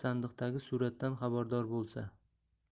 sandiqdagi suratdan xabardor bo'lsa